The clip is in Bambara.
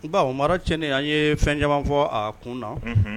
Baw mara cɛin an ye fɛn caman fɔ a kun na